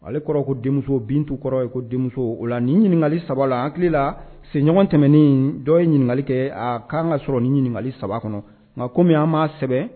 Ale kɔrɔ ko denmuso bintu kɔrɔ ye ko denmuso o la nin ɲininkakali saba la an hakili la seɲɔgɔn tɛmɛnen dɔ ye ɲininkakali kɛ a kaan ka sɔrɔ nin ɲininkali saba kɔnɔ nka kɔmi an m'a sɛbɛn